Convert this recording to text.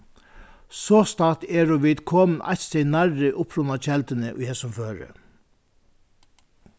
sostatt eru vit komin eitt stig nærri upprunakelduni í hesum føri